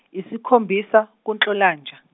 isikhombisa kuNhlolanja.